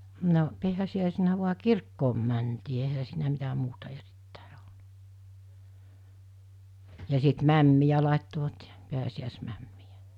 no pääsiäisenä vain kirkkoon mentiin eihän siinä mitä muuta erittäin ollut ja sitten mämmiä laittoivat ja pääsiäismämmiä